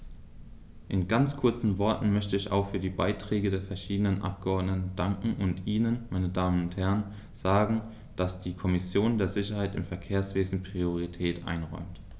In ganz kurzen Worten möchte ich auch für die Beiträge der verschiedenen Abgeordneten danken und Ihnen, meine Damen und Herren, sagen, dass die Kommission der Sicherheit im Verkehrswesen Priorität einräumt.